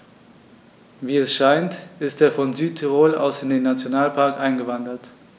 Wie es scheint, ist er von Südtirol aus in den Nationalpark eingewandert.